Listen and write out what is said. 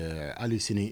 Ɛɛ ali sini